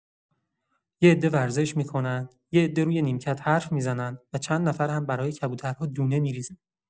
یه عده ورزش می‌کنن، یه عده روی نیمکت حرف می‌زنن و چند نفر هم برای کبوترها دونه می‌ریزن.